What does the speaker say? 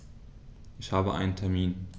Ich habe einen Termin.